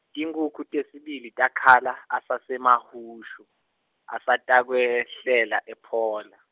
tinkhukhu tesibili takhala, asaseMahushu, asatakwehlela ePhola.